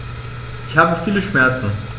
Ich habe viele Schmerzen.